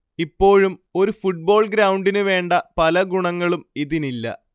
ഇപ്പോഴും ഒരു ഫുട്ബോൾ ഗ്രൗണ്ടിനുവേണ്ട പല ഗുണങ്ങളും ഇതിനില്ല